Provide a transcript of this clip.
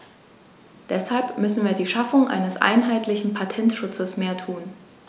Deshalb müssen wir für die Schaffung eines einheitlichen Patentschutzes mehr tun.